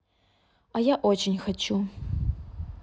а я очень хочу